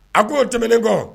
A k ko oo tɛmɛnen kɔ